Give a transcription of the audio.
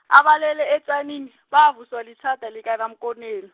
abalele etjanini, bavuswa litjhada likaNaMkoneni.